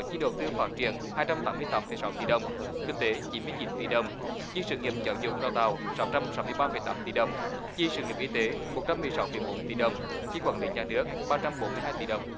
chi đầu tư phát triển hai trăm tám mươi tám phẩy sáu tỷ đồng kinh tế chín mươi chín tỷ đồng chi sự nghiệp giáo dục đào tạo sáu trăm sáu mươi ba phẩy tám tỷ đồng chi sự nghiệp y tế một trăm mười sáu phẩy bốn tỷ đồng chí quản lý nhà nước ba trăm bốn mươi hai tỷ đồng